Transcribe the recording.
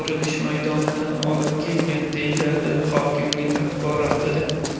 qurilish maydonidan olib kelingan deyiladi hokimlik axborotida